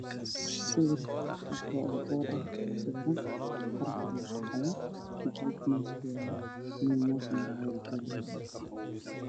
Sawir ku sawiran boor nin ayaa hoos marayo wato oki yaalo midooday